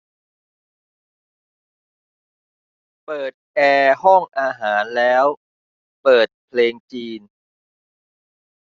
เปิดแอร์ห้องอาหารแล้วเปิดเพลงจีน